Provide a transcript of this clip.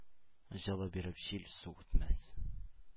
Җылы биреп җил-су үтмәс